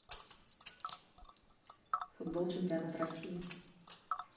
футбол чемпионат россии